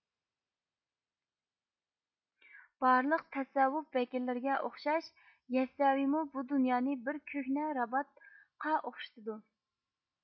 بارلىق تەسەۋۋۇپ ۋەكىللىرىگە ئوخشاش يەسسەۋىمۇ بۇ دۇنيانى بىر كۆھنە رابات قا ئوخشىتىدۇ